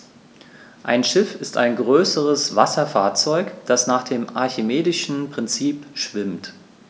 Ein Schiff ist ein größeres Wasserfahrzeug, das nach dem archimedischen Prinzip schwimmt.